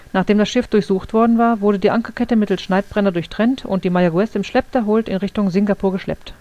Nachdem das Schiff durchsucht worden war, wurde die Ankerkette mittels Schneidbrenner durchtrennt und die Mayaguez im Schlepp der Holt in Richtung Singapur geschleppt